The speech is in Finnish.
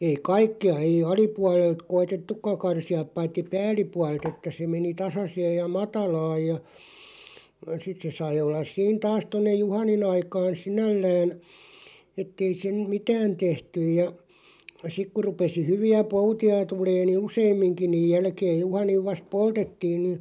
ei kaikkia ei alapuolelta koetettukaan karsia paitsi päällipuolelta että se meni tasaisesti ja matalaan ja sitten se sai olla siinä taas tuonne juhanin aikaan sinällään että ei sen mitään tehty ja sitten kun rupesi hyviä poutia tulemaan niin useamminkin niin jälkeen juhanin vasta poltettiin niin